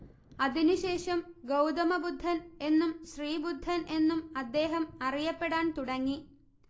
അതിനുശേഷം ഗൗതമബുദ്ധൻ എന്നും ശ്രീബുദ്ധൻ എന്നും അദ്ദേഹം അറിയപ്പെടാൻ തുടങ്ങി